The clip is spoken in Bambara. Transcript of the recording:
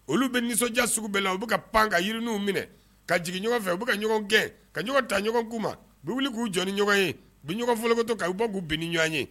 Olu bɛ nisɔndiya sugu bɛɛ u bɛ ka pan ka yiririniw minɛ ka jigin ɲɔgɔn fɛ u bɛ ka ɲɔgɔn gɛn ka ɲɔgɔn ta ɲɔgɔn kuma ma u wuli k'u jɔn ni ɲɔgɔn ye bi ɲɔgɔn fɔlɔ to u b' k'u bin ni ɲɔgɔn ye